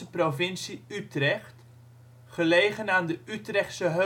provincie Utrecht, gelegen aan de Utrechtse